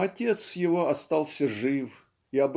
но отец его остался жив и